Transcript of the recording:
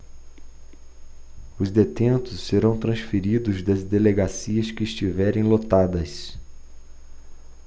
os detentos serão transferidos das delegacias que estiverem lotadas